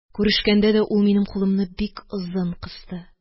Күрешкәндә, ул минем кулымны бик озын кысты